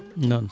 noon